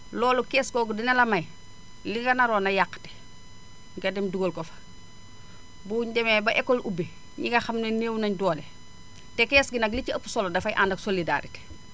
loolu kees googu dina la may li nga naroon a yàqate nga dem dugal ko fa buñu demee ba école ubbi ñi nga xam ne néew nañu doole te kees gi nag li ci ëpp solo dafay ànd ak solidarité